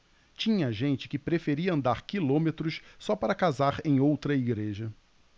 tinha gente que preferia andar quilômetros só para casar em outra igreja